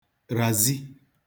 ràzi